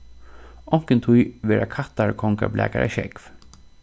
onkuntíð vera kattarkongar blakaðir á sjógv